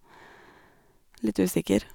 Litt usikker.